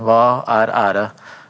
hva er ære?